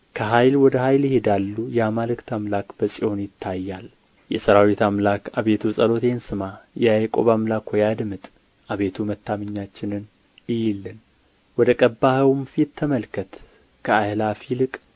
ከኃይል ወደ ኃይል ይሄዳሉ የአማልክት አምላክ በጽዮን ይታያል የሠራዊት አምላክ አቤቱ ጸሎቴን ስማ የያዕቆብ አምላክ ሆይ አድምጥ ቤቱ መታመናችንን እይልን ወደ ቀባኸውም ፊት ተመልከት ከአእላፍ ይልቅ